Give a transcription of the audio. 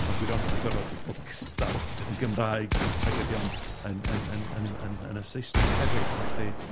mewn gwirionedd, mae'n gorod bod cystal yn Gymraeg ag ydi o'n yn yn yn yn yn yn y Saesneg hefyd, felly,